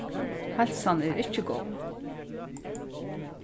heilsan er ikki góð